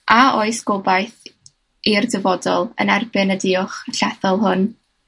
A oes gobaith i'r dyfodol yn erbyn y duwch llethol hwn?